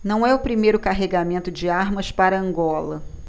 não é o primeiro carregamento de armas para angola